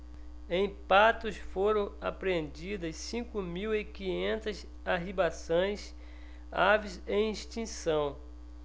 em patos foram apreendidas cinco mil e quinhentas arribaçãs aves em extinção